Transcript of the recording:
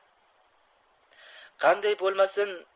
qanday bolmasin